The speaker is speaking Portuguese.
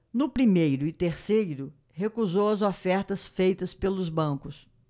no primeiro e terceiro recusou as ofertas feitas pelos bancos